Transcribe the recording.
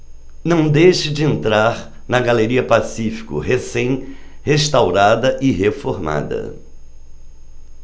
não deixe de entrar na galeria pacífico recém restaurada e reformada